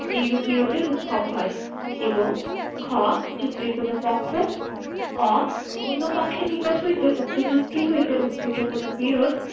এইরূপ বিরোধের উদ্ভব হয় এবং খ চুক্তির কোন পক্ষ অ অন্য পক্ষের নিকট হইতে উক্ত চুক্তি হইতে উদ্ভুত কোন বিরোধ